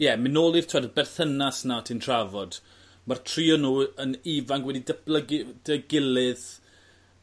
Ie myn' nôl i'r t'wod y berthynas 'na o' ti'n trafod ma'r tri o nw yn ifanc wedi datblygu 'da'i gilydd